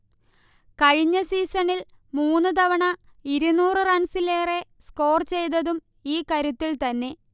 കഴിഞ്ഞ സീസണിൽ മൂന്നുതവണ ഇരുന്നൂറ് റൺസിലേറെ സ്കോർ ചെയ്തതും ഈ കരുത്തിൽത്തന്നെ